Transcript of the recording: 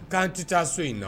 K'an ti taa so in na